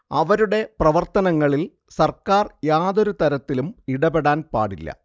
അവരുടെ പ്രവർത്തനങ്ങളിൽ സർക്കാർ യാതൊരു തരത്തിലും ഇടപെടാൻ പാടില്ല